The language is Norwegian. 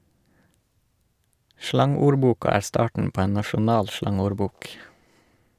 Slangordboka er starten på en nasjonal slangordbok.